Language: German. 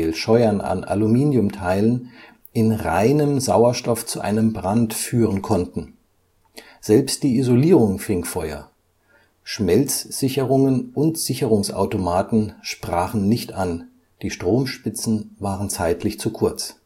Scheuern an Aluminiumteilen) in reinem Sauerstoff zu einem Brand führen konnten, selbst die Isolierung fing Feuer, Schmelzsicherungen und Sicherungsautomaten sprachen nicht an, die Stromspitzen waren zeitlich zu kurz